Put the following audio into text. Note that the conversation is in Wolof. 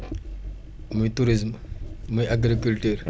muy tourisme muy agriculture